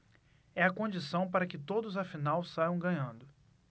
é a condição para que todos afinal saiam ganhando